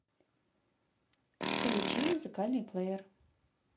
включи музыкальный плеер